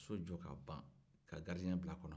ka so jɔ ka ban ka garidiyen bila kɔnɔ